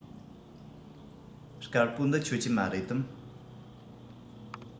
དཀར པོ འདི ཁྱོད ཀྱི མ རེད དམ